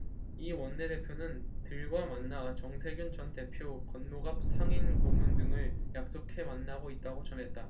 이 원내대표는 들과 만나 정세균 전 대표 권노갑 상임고문 등을 약속해 만나고 있다고 전했다